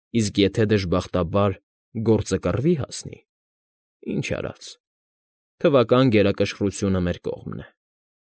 Իսկ եթե, դժբախտաբար, գործը կռվի հասնի, ինչ արած, թվական գերակշռությունը մեր կողմն է։